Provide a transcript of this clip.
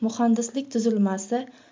muhandislik tuzilmasi